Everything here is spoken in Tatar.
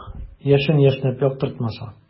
Юк, яшен яшьнәп яктыртмаса.